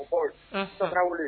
San wuli